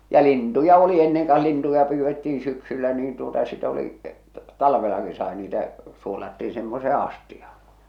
ja lintuja oli ennen ka lintuja pyydettiin syksyllä niin tuota sitten oli talvellakin sai niitä suolattiin semmoiseen astiaan